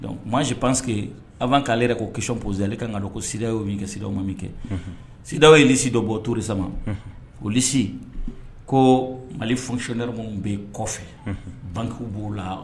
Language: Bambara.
Dɔnku makan si panske a k'ale yɛrɛ ka kisɔn bozali ale ka kan ko sida o min kɛ sw ma min kɛ siw yelisisi dɔ bɔ tosa walisi ko mali fsiɛ bɛ yen kɔfɛ bangeku b'u la